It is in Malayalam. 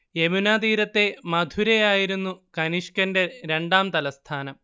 യമുനാ തീരത്തെ മഥുരയായിരുന്നു കനിഷ്കന്റെ രണ്ടാം തലസ്ഥാനം